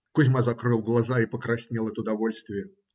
Кузьма закрыл глаза и покраснел от удовольствия.